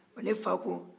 wɔ ne fa ko